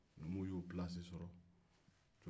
ninnuw ye u pilasi sɔrɔ